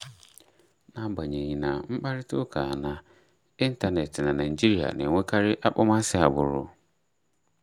N'agbanyeghị na, mkparịtaụka n'ịntaneetị na Naịjirịa na-enwekarị akpọmasị agbụrụ.